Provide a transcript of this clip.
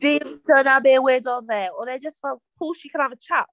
Dim dyna be wedodd e. Oedd e just fel "of course you can have a chat".